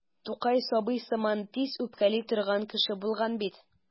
Тукай сабый сыман тиз үпкәли торган кеше булган бит.